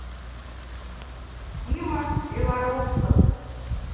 тима беларуссов